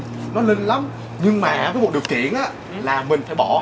ôi linh lắm nhưng mà á có một điều kiện á là mừn phải bỏ